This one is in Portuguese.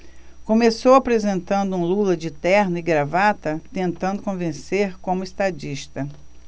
começou apresentando um lula de terno e gravata tentando convencer como estadista